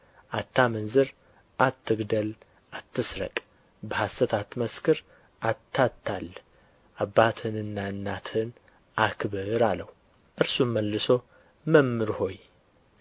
አታመንዝር አትግደል አትስረቅ በሐሰት አትመስክር አታታልል አባትህንና እናትህን አክብር አለው እርሱም መልሶ መምህር ሆይ